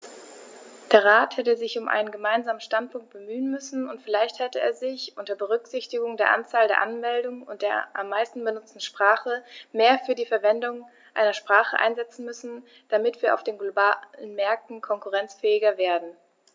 Der Rat hätte sich um einen gemeinsamen Standpunkt bemühen müssen, und vielleicht hätte er sich, unter Berücksichtigung der Anzahl der Anmeldungen und der am meisten benutzten Sprache, mehr für die Verwendung einer Sprache einsetzen müssen, damit wir auf den globalen Märkten konkurrenzfähiger werden.